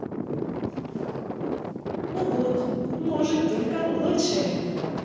ну вот может только лучшее